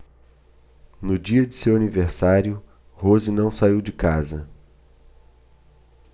no dia de seu aniversário rose não saiu de casa